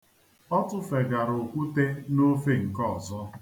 Ọ tụfegara okwute n'ofe nke ọzọ.